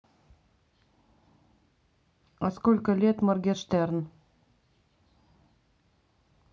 а сколько лет моргенштерн